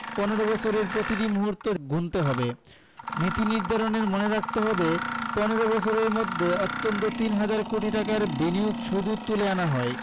১৫ বছরের প্রতিটি মুহূর্ত গুনতে হবে নীতিনির্ধারনের মনে রাখতে হবে ১৫ বছরের মধ্যে অন্তত তিন হাজার কোটি টাকার বিনিয়োগই শুধু তুলে আনা হয়